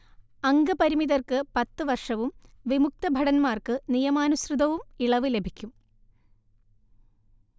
അംഗപരിമിതർക്ക് പത്തു വർഷവും വിമുക്തഭടന്മാർക്ക് നിയമാനുസൃതവും ഇളവ് ലഭിക്കും